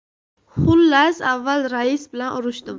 xullas avval rais bilan urishdim